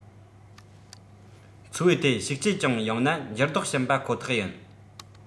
འཚོ བའི ཐད ཤུགས རྐྱེན ཅུང ཡང ན འགྱུར ལྡོག བྱིན པ ཁོ ཐག ཡིན